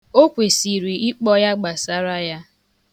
O kwesiri ịkpọ ya gbasara ya.